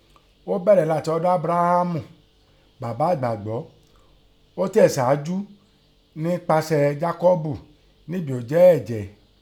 Ọ́ bẹ̀rẹ̀ látin ọ̀dọ̀ Ábúráhámù, bàbá ẹ̀gbàgbọ́, ọ́ tẹ̀síájú ńpàasẹ̀ Jákọ́ọ́bù nígbì ọ́ jẹ́ ẹ̀jẹ́